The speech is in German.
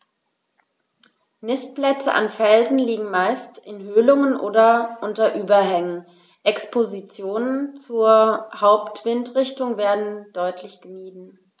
Nistplätze an Felsen liegen meist in Höhlungen oder unter Überhängen, Expositionen zur Hauptwindrichtung werden deutlich gemieden.